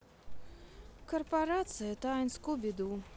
корпорация тайн скуби ду